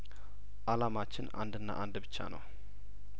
አላማችን አንድና አንድ ብቻ ነው